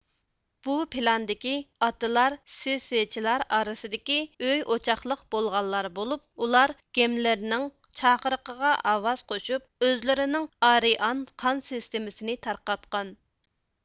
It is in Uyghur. بۇ پىلاندىكى ئاتىلار سىسىچىلار ئارىسىدىكى ئۆي ئوچاقلىق بولغانلار بولۇپ ئۇلار گېملېرنىڭ چاقىرىقىغا ئاۋاز قوشۇپ ئۆزلىرىنىڭ ئارىئان قان سىستېمىسىنى تارقاتقان